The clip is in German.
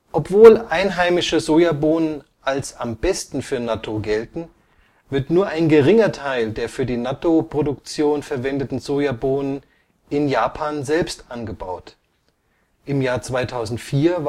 Obwohl einheimische Sojabohnen als am besten für Nattō gelten, wird nur ein geringer Teil der für die Nattō-Produktion verwendeten Sojabohnen in Japan selbst angebaut (Stand 2004